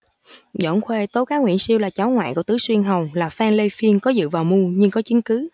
doãn khuê tố cáo nguyễn siêu là cháu ngoại của tứ xuyên hầu là phan lê phiên có dự vào mưu nhưng có chứng cứ